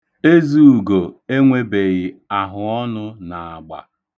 Ezeugo enwebeghị ahụọnụ n'agba.